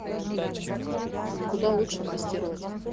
куда лучше инвестировать